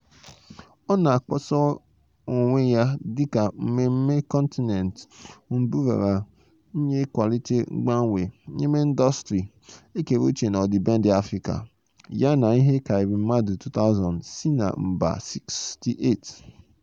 Ọ na-akpọsa onwe ya dị ka "mmemme kọntinentị mbụ raara nye ịkwalite mgbanwe n'ime ndọstrị ekere uch na ọdịbendị n'Africa", ya na ihe karịrị mmadụ 2,000 si mba 68.